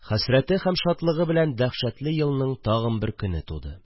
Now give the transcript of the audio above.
Хәсрәте һәм шатлыгы белән дәһшәтле елның тагын бер көне туды